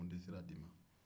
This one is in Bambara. n' tɛ sira di i ma